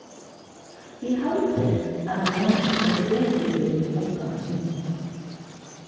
eg haldi at hon sær betur út uttan sminku